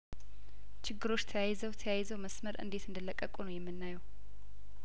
ችግሮች ተያይዘው ተያይዘው መስመር እንዴት እንደለቀቁ ነው የምናየው